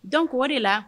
Don wari de la